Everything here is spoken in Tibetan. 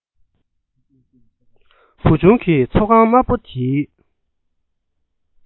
བུ ཆུང གིས ཐོག ཁང དམའ མོ དེའི